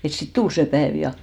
että sitten tuli se päivä ja